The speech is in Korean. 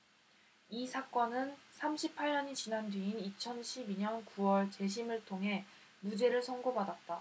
이 사건은 삼십 팔 년이 지난 뒤인 이천 십 이 년 구 월 재심을 통해 무죄를 선고받았다